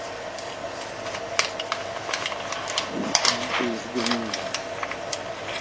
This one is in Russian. каникулы в голливуде